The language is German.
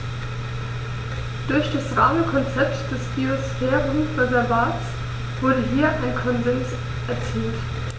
Durch das Rahmenkonzept des Biosphärenreservates wurde hier ein Konsens erzielt.